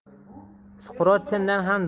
suqrot chindan ham